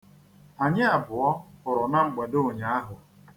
Anyị abụọ hụrụ na mgbede ụnyaahụ.